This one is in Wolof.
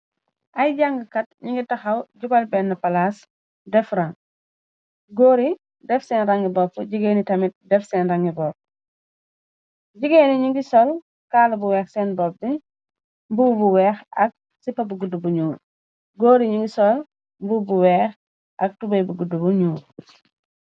Ay jàngkat ñu ngi taxaw jubal benn palaas def ran gori def seen rangi bopp jigéeni tamit def seen rangi bopp jgéeni ñu ngi sol kaala bu weex seen bopp di mbu bu weex ak sipa bu gudd bu ñu góori ñu ngi sol mbu bu weex ak tubay bu gudd bu ñuu.